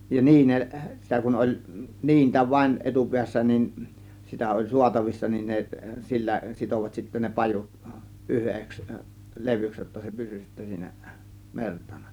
ja - sitä kun oli niintä vain etupäässä niin sitä oli saatavissa niin ne sillä sitoivat sitten ne pajut yhdeksi levyksi jotta se pysyi sitten siinä mertana